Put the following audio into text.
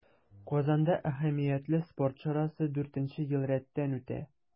Казанда әһәмиятле спорт чарасы дүртенче ел рәттән үтә.